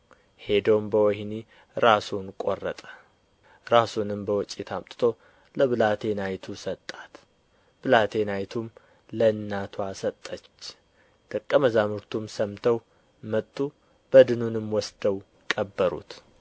ሄዶም በወኅኒ ራሱን ቈረጠ ራሱንም በወጭት አምጥቶ ለብላቴናይቱ ሰጣት ብላቴናይቱም ለእናትዋ ሰጠች ደቀ መዛሙርቱም ሰምተው መጡ በድኑንም ወስደው ቀበሩት